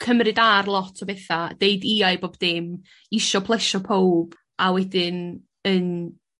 cymryd ar lot o betha deud ia i bob dim isio plesio powb a wedyn yn